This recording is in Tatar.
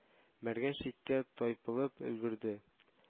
Мәргән читкә тайпылып өлгерде